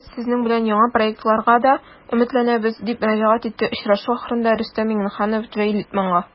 Без сезнең белән яңа проектларга да өметләнәбез, - дип мөрәҗәгать итте очрашу ахырында Рөстәм Миңнеханов Джей Литманга.